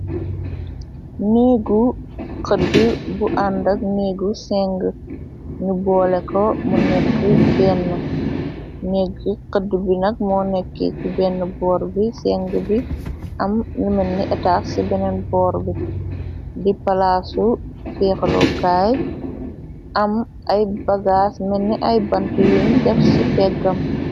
Niigu xëddi bu àndak niigu senge nu boole ko mu nekk benn nigg xëdd bi nag moo nekk ci benn boor bi senge bi am meni etaas ci beneen boor bi di palaasu fiklokaay am ay bagaas menni ay bante yuñ def ci peggam.